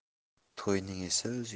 toyning esa o'z